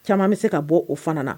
Caman bɛ se ka bɔ o fana na